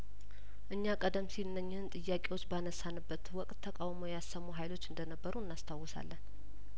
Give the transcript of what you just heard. እኛ ቀደም ሲል እነኝህን ጥያቄዎች ባነሳንበት ወቅት ተቃውሞ ያሰሙ ሀይሎች እንደነበሩ እናስታውሳለን